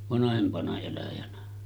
vanhempana eläjänä